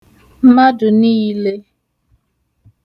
mmadụ̀ niilē